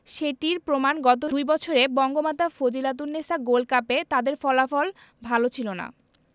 সেটির প্রমাণ গত দুই বছরে বঙ্গমাতা ফজিলাতুন্নেছা গোল্ড কাপে তাদের ফলাফল ভালো ছিল না